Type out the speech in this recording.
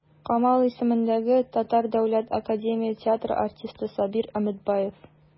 Камал исемендәге Татар дәүләт академия театры артисты Сабир Өметбаев.